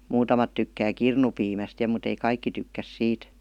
muutamat tykkää kirnupiimästä ja mutta ei kaikki tykkää siitä